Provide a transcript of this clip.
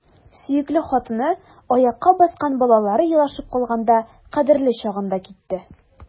Сөекле хатыны, аякка баскан балалары елашып калганда — кадерле чагында китте!